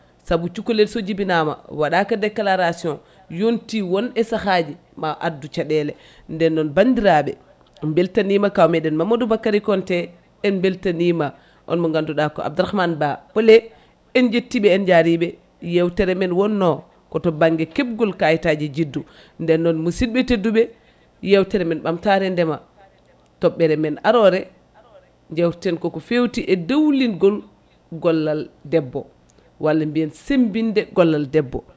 saabu cukalel so jibinama waɗaka déclaration yonti won e sahaaji ma addu caɗele nden bandiraɓe beltanima kaw meɗen Mamadou Bakary Konté en beltanima on mo ganduɗa ko Abdouramane Ba * en jettiɓe en jaariɓe yewtere men wonno ko to banggue kebgol kayitaji juddu nden noon musidɓe tedduɓe yewtere men ɓamtare ndeema toɓɓere men arore jewteten ko fewti e dowlingol gollal debbo walla mbiyen sembinde gollal debbo